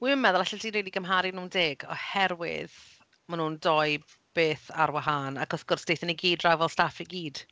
Wi'm yn meddwl allet ti rili cymharu nhw'n deg, oherwydd maen nhw'n dou beth ar wahân ac wrth gwrs daethon ni gyd draw fel staff i gyd.